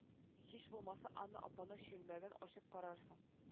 Һич булмаса анна апаның чүлмәген ачып карарсың